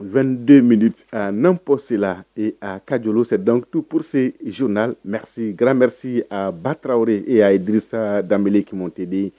2denw n'an psi la ee kaj se dantu posizo na garanmerisi a bataw e y'a ye sa danbebkte de